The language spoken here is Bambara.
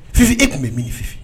Fi Fifi e tun bɛ min?